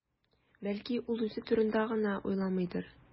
Бәлки, ул үзе турында гына уйламыйдыр?